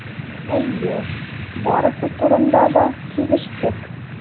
Әйе, барысы турында да килештек.